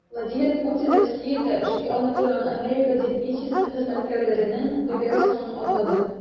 Владимир Путин Россиядә эшли алмый торган Америка дипмиссиясе хезмәткәрләренең төгәл санын атады.